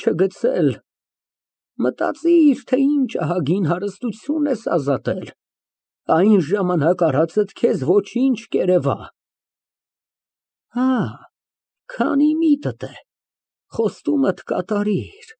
Մտածիր, թե ինչ ահագին հարստություն ես ազատել, այն ժամանակ արածդ քեզ ոչինչ կերևա։ (Լռություն) Հա, քանի միտդ է խոստումդ կատարիր։